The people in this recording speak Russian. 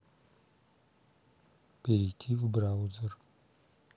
перейти в браузер